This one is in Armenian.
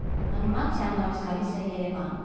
Անիմացիան նորից գալիս է Երևան.